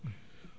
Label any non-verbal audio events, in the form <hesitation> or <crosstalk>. <hesitation> <hesitation>